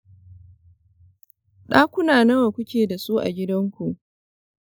ɗakuna nawa kuke da su a gidanku?